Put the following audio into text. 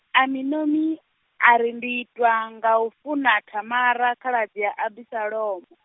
Aminomi, ari ndi itwa nga u funa Thamara khaladzi ya Abisalomo.